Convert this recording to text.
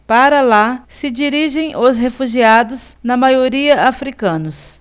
para lá se dirigem os refugiados na maioria hútus